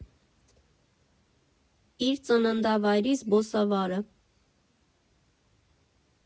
Իր ծննդավայրի զբոսավարը։